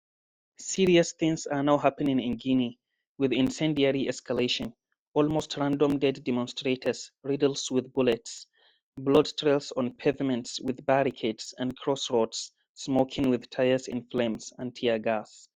Serious things are now happening in Guinea, with incendiary escalation, almost random dead demonstrators riddles with bullets, blood trails on pavements with barricades and crossroads smoking with tires in flames and tear gas.